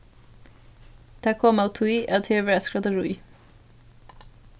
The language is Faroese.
tað kom av tí at her var eitt skraddarí